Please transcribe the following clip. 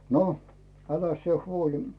no äläs sinä huoli